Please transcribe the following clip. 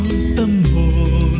tâm hồn